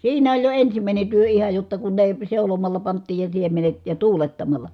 siinä oli jo ensimmäinen työ ihan jotta kun ne seulomalla pantiin ja siemenet ja tuulettamalla